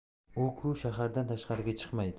u ku shahardan tashqariga chiqmaydi